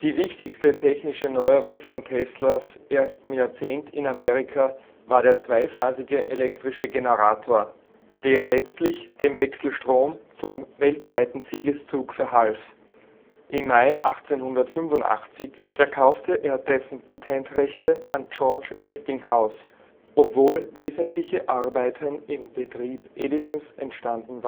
wichtigste technische Neuerung von Teslas erstem Jahrzehnt in Amerika war der zweiphasige elektrische Generator, der letztlich dem Wechselstrom zum weltweiten Siegeszug verhalf. Im Mai 1885 verkaufte er dessen Patentrechte an George Westinghouse, obwohl wesentliche Arbeiten im Betrieb Edisons entstanden